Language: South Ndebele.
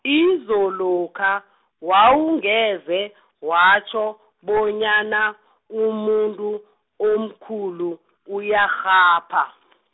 izolokha, wawungeze , watjho, bonyana, umuntu, omkhulu, uyarhapha .